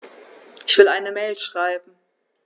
Ich will eine Mail schreiben.